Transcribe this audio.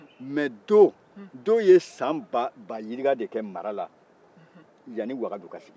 mɛ do do ye sanbayiriga de kɛ marala yanni wagadu ka sigi